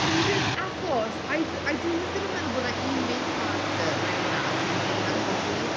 Dwi ddim achos I d- I... dwi jyst ddim yn meddwl bod yna un main character mewn 'na sy'n dyn ar hyn o bryd.